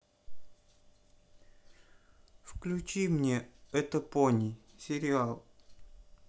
включи мне это пони сериал